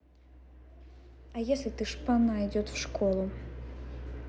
а если ты шпана идет в школу